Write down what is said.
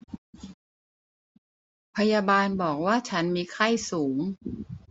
พยาบาลบอกว่าฉันมีไข้สูง